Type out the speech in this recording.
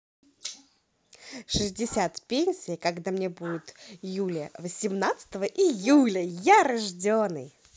шестьдесят пенсии когда мне будет юлия восемнадцатого июля я рожденный